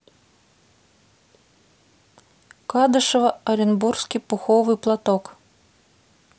кадышева оренбургский пуховый платок